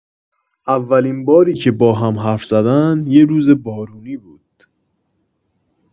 اولین باری که با هم حرف‌زدن، یه روز بارونی بود.